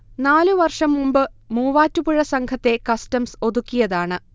നാലു വർഷം മുമ്പ് മൂവാറ്റുപുഴ സംഘത്തെ കസ്റ്റംസ് ഒതുക്കിയതാണ്